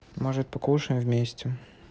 может покушаем вместе